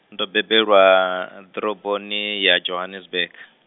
ndo bebelwa, ḓoroboni ya Johannesburg.